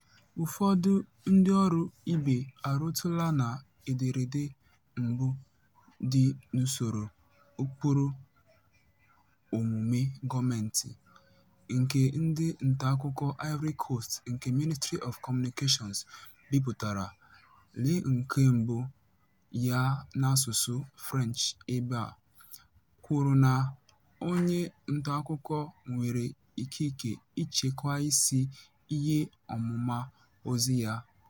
Ụfọdụ ndịọrụ ibe arụtụla na ederede mbụ dị n'usoro ụkpụrụ omume gọọmentị nke ndị ntaakụkọ Ivory Coast nke Ministry of Communications bipụtara (lee nke mbụ ya n'asụsụ French ebe a) kwuru na "onye ntaakụkọ nwere ikike ịchekwa isi ihe ọmụma ozi ya.